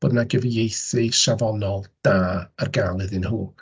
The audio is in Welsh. Bod 'na gyfeithu safonol da ar gael iddyn nhw.